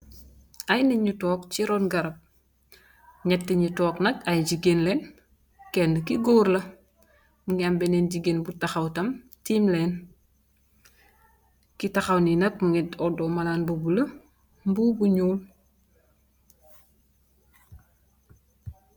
Ay nit ñu tóóg ci ron garap, ñetti ñu tóóg nak ay gigeen lèèn, Kenna ki gór la, mugii am benen gigeen bu taxaw tam tiim lèèn. Ki taxaw ni nak mugii oddo malan bu bula, mbubu bu ñuul.